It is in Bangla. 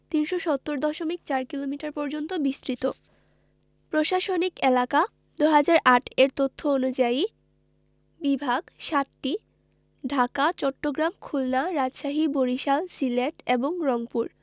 ৩৭০ দশমিক ৪ কিলোমিটার পর্যন্ত বিস্তৃত প্রশাসনিক এলাকা ২০০৮ এর তথ্য অনুযায়ী বিভাগ ৭টি ঢাকা চট্টগ্রাম খুলনা রাজশাহী বরিশাল সিলেট এবং রংপুর